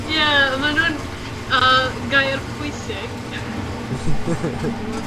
Ie, ma' nw'n yy gair pwysig. chwerthin> T'mod?